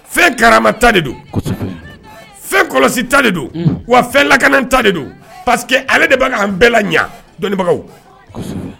Fɛn karama ta de don fɛn kɔlɔsi ta de don wa fɛn lakana ta de don pa parce que ale de bɛ an bɛɛ la ɲɛ dɔnnibagaw